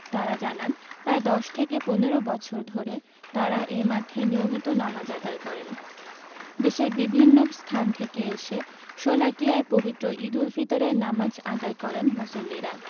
তাঁরা জানান প্রায় ১০ থেকে ১৫ বছর ধরে তাঁরা এ মাঠে নিয়মিত নামাজ আদায় করেন দেশের বিভিন্ন স্থান থেকে এসে শোলাকিয়ায় পবিত্র ঈদুল ফিতরের নামাজ আদায় করেন মুসল্লিরা